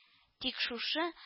Тик, шушы